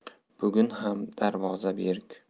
bugun ham darvoza berk